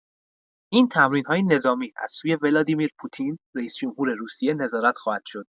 این تمرین‌های نظامی از سوی ولادیمیر پوتین، رئیس‌جمهور روسیه نظارت خواهد شد.